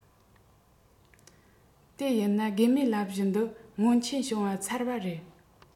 དེ ཡིན ན དགོས མེད ལབ གཞི འདི སྔོན ཆད བྱུང བ ཚར བ རེད